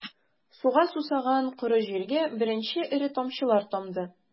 Суга сусаган коры җиргә беренче эре тамчылар тамды...